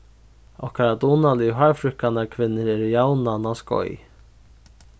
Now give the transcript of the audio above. okkara dugnaligu hárfríðkanarkvinnur eru javnan á skeið